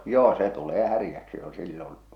joo se tulee häräksi jo silloin